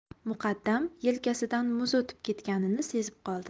muqaddam yelkasidan muz o'tib ketganini sezib qoldi